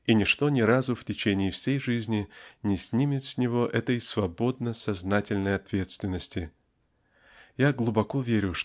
и ничто ни разу в течение всей жизни не снимет с него этой свободно-сознательной ответственности. Я глубоко верю